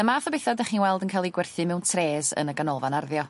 y math o betha 'dach chi'n weld yn cael 'u gwerthu mewn três yn y ganolfan arddio.